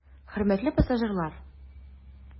Хөрмәтле пассажирлар!